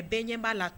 A bɛɛ ɲɛ b'a la